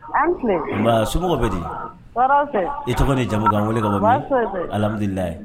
Nka so bɛ di i tɔgɔ ni jamu wele ka baba amilila